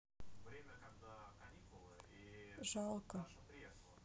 жалко